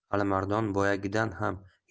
alimardon boyagidan ham